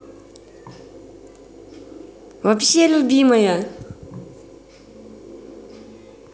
вообще любимая